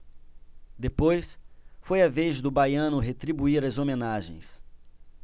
depois foi a vez do baiano retribuir as homenagens